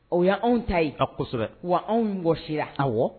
O ye anw ta ye, kosɛbɛ, wa anw wɔsira, awɔ